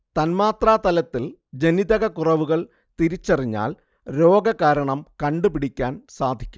തന്മാത്രാതലത്തിൽ ജനിതക കുറവുകൾ തിരിച്ചറിഞ്ഞാൽ രോഗകാരണം കണ്ടുപിടിക്കാൻ സാധിക്കും